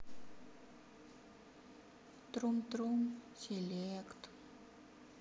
трум трум селект